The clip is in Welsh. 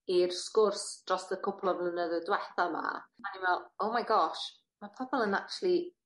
i'r sgwrs drost y cwpwl o flynyddoedd dwetha 'ma a o'n i'n me'l oh my gosh ma' pobol yn actually